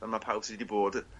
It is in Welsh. fel ma' pawb sy 'di bod y-